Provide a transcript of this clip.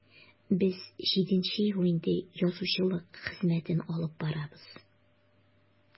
Без җиденче ел инде яучылык хезмәтен алып барабыз.